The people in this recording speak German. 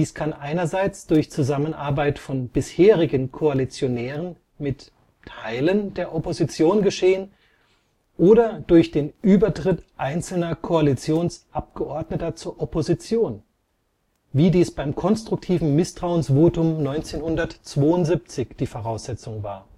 kann einerseits durch Zusammenarbeit von bisherigen Koalitionären mit (Teilen) der Opposition geschehen oder durch den Übertritt einzelner Koalitionsabgeordneter zur Opposition, wie dies beim konstruktiven Misstrauensvotum 1972 die Voraussetzung war